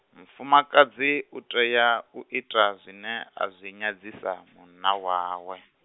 mufumakadzi utea u ita zwine azwi nyadzisa munna wawe.